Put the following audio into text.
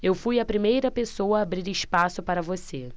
eu fui a primeira pessoa a abrir espaço para você